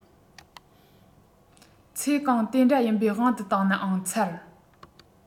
ཚེ གང དེ ལྟར ཡིན པའི དབང དུ བཏང ནའང ཚར